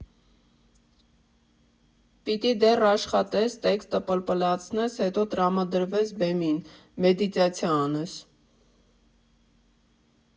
Պիտի դեռ աշխատես, տեքստը պլպլացնես, հետո տրամադրվես բեմին, մեդիտացիա անես…